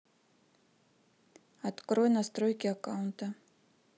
открой настройки аккаунта